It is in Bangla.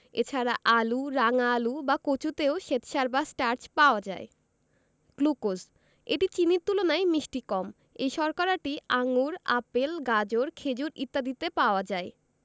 এছাড়া আলু রাঙা আলু বা কচুতেও শ্বেতসার বা স্টার্চ পাওয়া যায় গ্লুকোজ এটি চিনির তুলনায় মিষ্টি কম এই শর্করাটি আঙুর আপেল গাজর খেজুর ইত্যাদিতে পাওয়া যায়